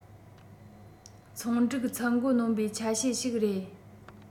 ཚོང འགྲིག ཚད མགོ གནོན པའི ཆ ཤས ཤིག རེད